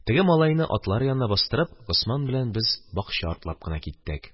Теге малайны атлар янына бастырып, Госман белән без бакча артлап кына киттек.